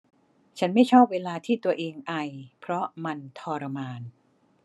ฉันไม่ชอบเวลาที่ตัวเองไอเพราะมันทรมาน